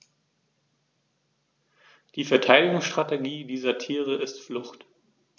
Die Verteidigungsstrategie dieser Tiere ist Flucht.